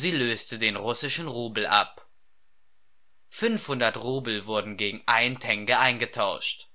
löste den russischen Rubel ab. 500 Rubel wurden gegen 1 Tenge eingetauscht